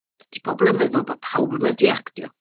Ydy pobl yn meddwl bod pawb yn medru actio?